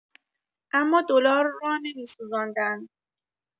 اما دلار را نمی‌سوزاندند.